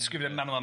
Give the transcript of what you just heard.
disgrifio iawn.